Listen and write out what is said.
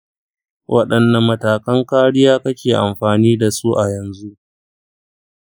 wadanne matakan kariya kake amfani da su a yanzu?